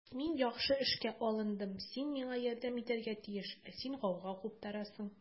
Мин яхшы эшкә алындым, син миңа ярдәм итәргә тиеш, ә син гауга куптарасың.